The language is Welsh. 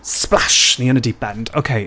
Splash! Ni yn y deep end. Ok.